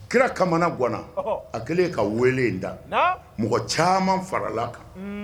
Kira kamana ganna, anhan, a kɛlen ka wele in da, namu, mɔgɔ caman faral'a kan, un